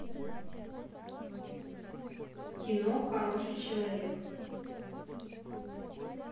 кино хороший человек